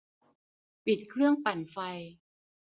ปิดเครื่องปั่นไฟ